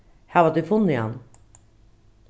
hava tit funnið hann